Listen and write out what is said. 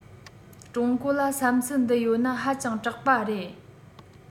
ཀྲུང གོ ལ བསམ ཚུལ འདི ཡོད ན ཧ ཅང སྐྲག པ རེད